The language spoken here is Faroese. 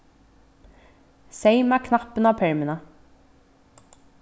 seyma knappin á permuna